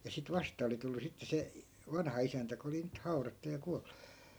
ja sitten vastaan oli tullut sitten se - vanhaisäntä kun oli nyt haudattu ja kuollut